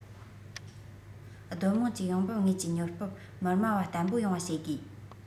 སྡོད དམངས ཀྱི ཡོང འབབ དངོས ཀྱི ཉོ སྟོབས མི དམའ བ བརྟན པོ ཡོང བ བྱེད དགོས